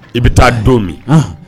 I bɛ taa don min